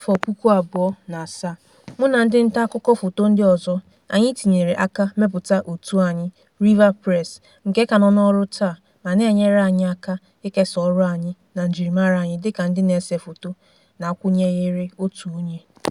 N'afọ 2007, mụ na ndị ntaakụkọ foto ndị ọzọ, anyị tinyere aka mepụta òtù anyị, RIVA PRESS, nke ka nọ n'ọrụ taa ma na-enyere anyị aka ikesa ọrụ anyị na njirimara anyị dịka ndị na-ese foto na-akwụnyeghịrị otu onye.